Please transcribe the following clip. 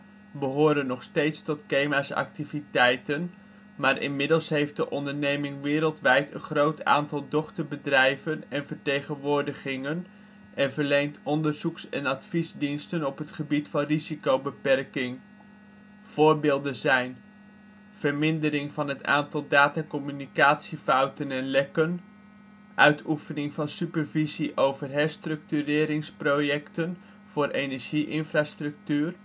behoren nog steeds tot KEMA’ s activiteiten maar inmiddels heeft de onderneming wereldwijd een groot aantal dochterbedrijven en vertegenwoordigingen en verleent onderzoeks - en adviesdiensten op het gebied van risicobeperking. Voorbeelden zijn: vermindering van het aantal datacommunicatiefouten en lekken uitoefening van supervisie over herstructureringsprojecten voor energie-infrastructuur